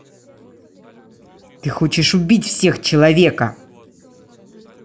ты хочешь убить всех человека